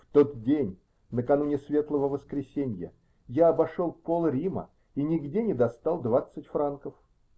В тот день, накануне Светлого Воскресенья, я обошел пол-Рима и нигде не достал двадцать франков.